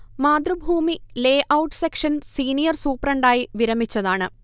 Mathrubhumi layout section senior സൂപ്രണ്ടായി വിരമിച്ചതാണ്